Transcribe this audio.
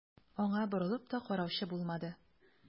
Аңа борылып та караучы булмады.